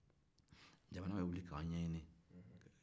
jamana bɛ wuli k'an ɲɛɲinin